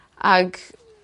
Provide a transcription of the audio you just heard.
ag